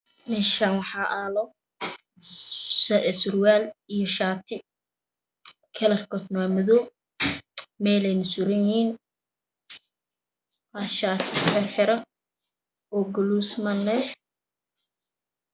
Mashan waa yalo sarwaal iyo shati kalar kode waa madow